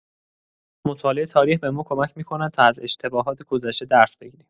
مطالعه تاریخ به ما کمک می‌کند تا از اشتباهات گذشته درس بگیریم.